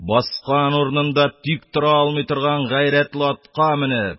Баскан урынында тик тора алмый торган гайрәтле атка менеп,